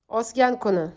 osgan kuni